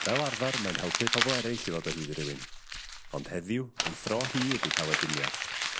Fel arfar mae'n helpu pobol eraill i ddod o hyd i rywun ond heddiw ei thro hi ydi cael aduniad.